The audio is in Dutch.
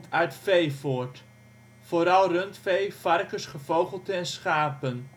uit vee voort (vooral rundvee, varkens, gevogelte en schapen